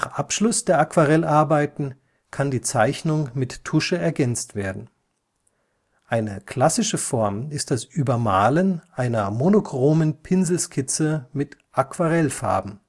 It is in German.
Abschluss der Aquarellarbeiten kann die Zeichnung mit Tusche ergänzt werden. Eine klassische Form ist das Übermalen einer monochromen Pinselskizze mit Aquarellfarben